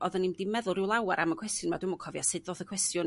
odda ni'm 'di meddwl ryw lawer am y cwestiwn 'ma dwi'm yn cofio sut ddoth y cwestiwn